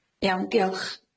Iawn, diolch.